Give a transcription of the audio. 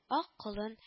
Ак колын